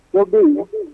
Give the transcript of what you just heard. O bɛ' yen